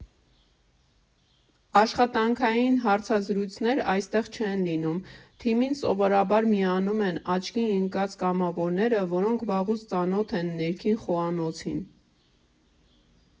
Աշխատանքային հարցազրույցներ այստեղ չեն լինում, թիմին սովորաբար միանում են աչքի ընկած կամավորները, որոնք վաղուց ծանոթ են ներքին խոհանոցին։